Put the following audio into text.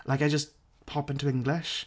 Like I just pop into English.